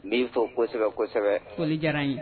N b'i fɔ kosɛbɛ kosɛbɛ ko diyara ye